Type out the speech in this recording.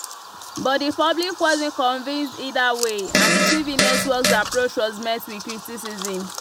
But the public wasn’t convinced either way, and the TV network's approach was met with criticism.